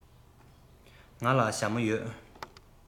ང ལ ཞྭ མོ ཡོད